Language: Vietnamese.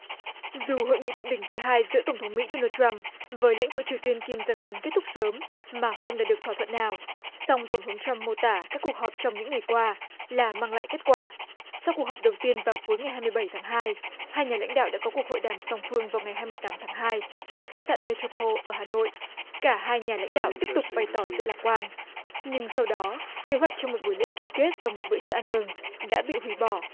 dù hội nghị thượng đỉnh thứ hai giữa tổng thống mỹ đô nan trăm với lãnh tụ triều tiên kim dâng ưn kết thúc sớm mà không đạt được thỏa thuận nào song tổng thống trăm mô tả các cuộc họp trong những ngày qua là mang lại kết quả sau cuộc họp đầu tiên vào cuối ngày hai mươi bảy tháng hai hai nhà lãnh đạo đã có cuộc hội đàm song phương vào ngày hai mươi tám tháng hai tại khách sạn nê trô pô ở hà nội cả hai nhà lãnh đạo tiếp tục bày tỏ sự lạc quan nhưng sau đó kế hoạch trong một buổi lễ ký kết vào một bữa trưa ăn mừng đã bị hủy bỏ